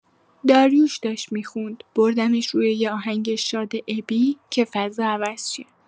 داریوش داشت می‌خوند، بردمش روی یه آهنگ شاد ابی که فضا عوض شه.